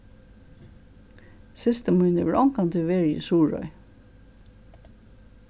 systir mín hevur ongantíð verið í suðuroy